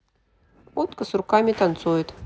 утка с руками танцует